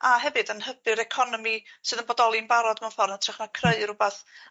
a hefyd yn hybu'r economi sydd yn bodoli yn barod mewn ffor yn ytrach na creu rwbath